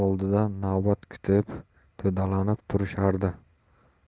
oldida navbat kutib to'dalanib turishardi